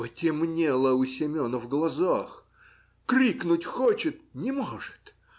Потемнело у Семена в глазах; крикнуть хочет - не может.